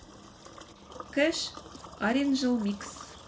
кэш ориджинал микс